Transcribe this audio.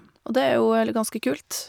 Og det er jo egentlig ganske kult.